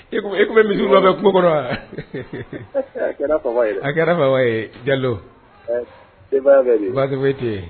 E e tun bɛ misi nɔfɛ kungo kɔnɔ wa, a kɛra fama ye dɛ, a kɛra fama ye, Jalo denbaya bɛ di, baasi foyi tɛ yen